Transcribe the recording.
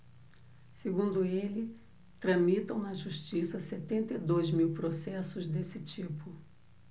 segundo ele tramitam na justiça setenta e dois mil processos desse tipo